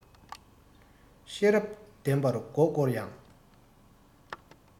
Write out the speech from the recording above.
ཤེས རབ ལྡན པ མགོ བསྐོར ཡང